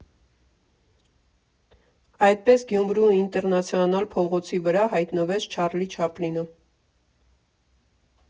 Այդպես Գյումրու Ինտերնացիոնալ փողոցի վրա հայտնվեց Չարլի Չապլինը։